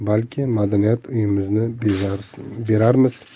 balki madaniyat uyimizni berarmiz